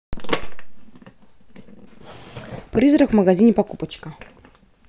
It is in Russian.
призрак в магазине покупочка